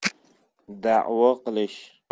da'vo qilish